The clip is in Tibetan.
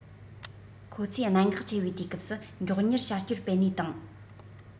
ཁོ ཚོས གནད འགག ཆེ བའི དུས སྐབས སུ མགྱོགས མྱུར བྱ སྤྱོད སྤེལ ནས དང